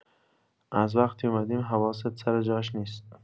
از وقتی اومدیم، حواست سر جاش نیست.